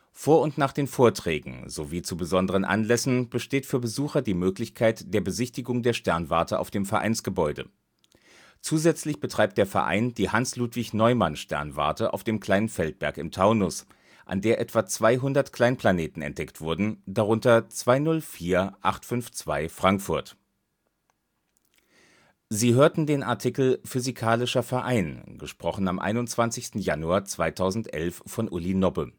Vor und nach den Vorträgen, sowie zu besonderen Anlässen, besteht die Möglichkeit der Besichtigung der Sternwarte auf dem Vereinsgebäude für Besucher. Zusätzlich betreibt der Verein die Hans-Ludwig-Neumann-Sternwarte auf dem Kleinen Feldberg im Taunus, an der etwa 200 Kleinplaneten entdeckt wurden, darunter (204852) Frankfurt